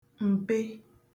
m̀pe